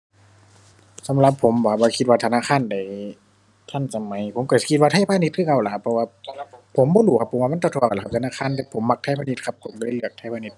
สำหรับผมบ่ครับว่าคิดว่าธนาคารใดทันสมัย ผมก็สิคิดว่าไทยพาณิชย์คือเก่าล่ะครับ เพราะว่า สำหรับผม ผมบ่รู้ครับ เพราะว่ามันเท่าเท่ากันแหละครับธนาคาร แต่ผมมักไทยพาณิชย์ครับ ผมเลยเลือกไทยพาณิชย์